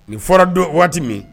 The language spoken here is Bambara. Nin fɔra don waati min